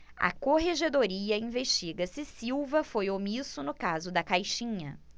a corregedoria investiga se silva foi omisso no caso da caixinha